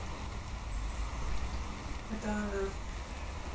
это она